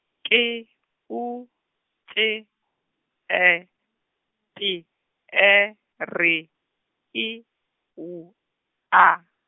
K U C E T E R I W A.